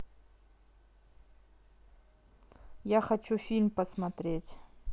я хочу фильм посмотреть